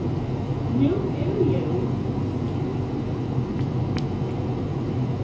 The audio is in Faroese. nú eru jól